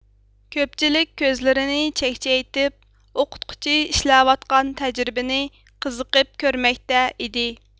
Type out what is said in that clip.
كۆپچىلىك كۆزىلىرىنى چەكچەيتىپ ئوقۇتقۇچى ئىشلەۋەتقان تەجرىبىنى قىزىقىپ كۆرمەكتە ئىدى